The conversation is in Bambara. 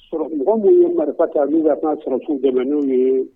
Sura mɔgɔ min ye marifa ta ,minnu ka kan ka sɔrɔdasi dɛmɛ n'o ye